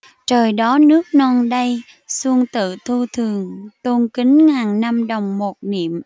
trời đó nước non đây xuân tự thu thường tôn kính ngàn năm đồng một niệm